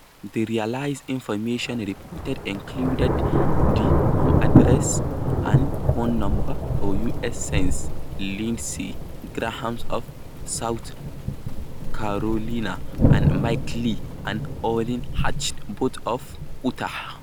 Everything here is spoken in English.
The released information reportedly included the home addresses and phone numbers for U.S. Sens. Lindsey Graham of South Carolina, and Mike Lee and Orrin Hatch, both of Utah.